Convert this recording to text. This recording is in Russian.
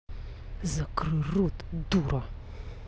закрой рот дура